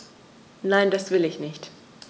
Nein, das will ich nicht.